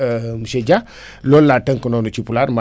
monsieur Dia loolu laa tënk noonu ci pulaar